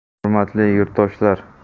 hurmatli yurtdoshlar